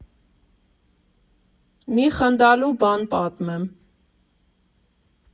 Մի խնդալու բան պատմեմ.